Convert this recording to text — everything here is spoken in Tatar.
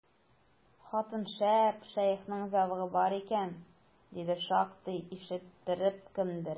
Хатын шәп, шәехнең зәвыгы бар икән, диде шактый ишеттереп кемдер.